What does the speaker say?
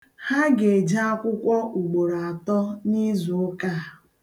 Ha ga-eje akwụkwọ ugboro atọ n'izuụka a.